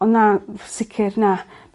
On' na m- sicir na.